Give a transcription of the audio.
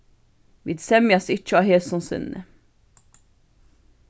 vit semjast ikki á hesum sinni